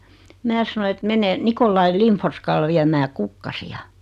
minä sanoin että menen Nikolai Lindforskalle viemään kukkasia